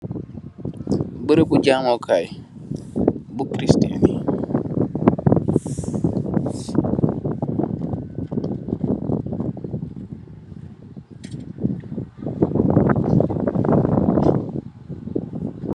Beureubu jaamoo kaay, bu Christian.